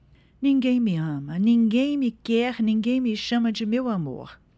ninguém me ama ninguém me quer ninguém me chama de meu amor